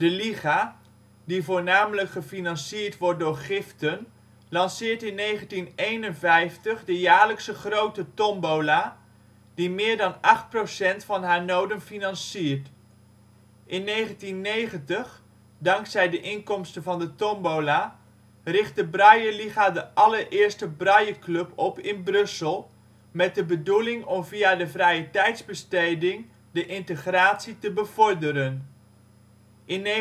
Liga, die voornamelijk gefinancierd wordt door giften, lanceert in 1951 de jaarlijkse Grote Tombola, die meer dan 8 % van haar noden financiert. In 1990, dankzij de inkomsten van de Tombola richt de Brailleliga de allereerste Brailleclub op in Brussel, met de bedoeling om via de vrijetijdsbesteding de integratie te bevorderen. In 1953